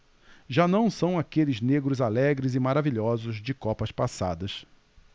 já não são aqueles negros alegres e maravilhosos de copas passadas